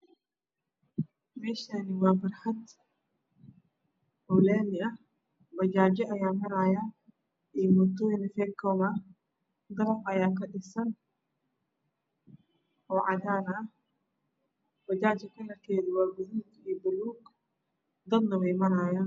Meshani waa barxad lami ah bajaajya ayaa marayaan iyo motoyin fekoom ah dabaq ayaa ka dhisan oo xadan ah bajaajka kalarkeedu waa gaduud iyo baluug dadna wey marayaan